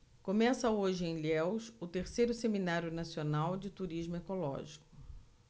começa hoje em ilhéus o terceiro seminário nacional de turismo ecológico